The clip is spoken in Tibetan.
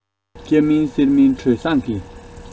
སྐྱ མིན སེར མིན སྒྲོལ བཟང གིས